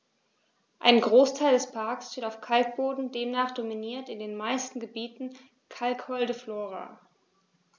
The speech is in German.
Ein Großteil des Parks steht auf Kalkboden, demnach dominiert in den meisten Gebieten kalkholde Flora.